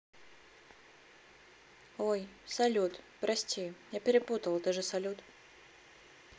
ой салют прости я перепутала ты же салют